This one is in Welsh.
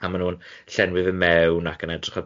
A maen nhw'n llenwi fe mewn ac yn edrych ar beth